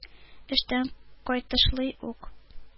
Эштән кайтышлый ук,